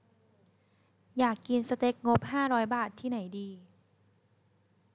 อยากกินสเต็กงบห้าร้อยบาทที่ไหนดี